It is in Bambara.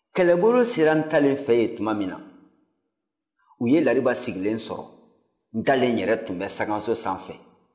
kɛlɛbolo sera ntalen fɛ ye tuma min na u ye lariba sigilen sɔrɔ ntalen yɛrɛ tun bɛ sankanso sanfɛ